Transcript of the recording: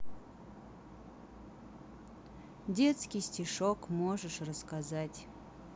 детский стишок можешь рассказать